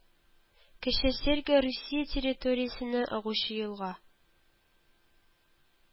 Кече Сырьга Русия территориясеннән агучы елга